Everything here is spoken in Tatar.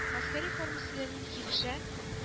Гаскәри форма сезгә нинди килешә